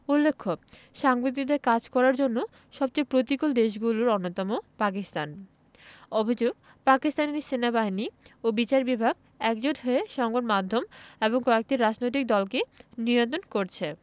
উল্লেখ্য সাংবাদিকদের কাজ করার জন্য সবচেয়ে প্রতিকূল দেশগুলোর অন্যতম পাকিস্তান অভিযোগ পাকিস্তানি সেনাবাহিনী ও বিচার বিভাগ একজোট হয়ে সংবাদ মাধ্যম এবং কয়েকটি রাজনৈতিক দলকে নিয়ন্ত্রণ করছে